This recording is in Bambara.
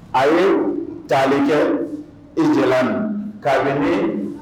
A ye taali kɛ ijilane kalemi ne